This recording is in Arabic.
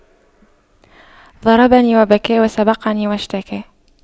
ضربني وبكى وسبقني واشتكى